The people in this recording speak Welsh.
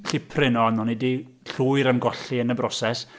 Llipryn, o'n. O'n i 'di llwyr ymgolli yn y broses.